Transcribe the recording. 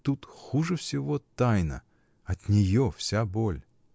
Тут хуже всего тайна: от нее вся боль!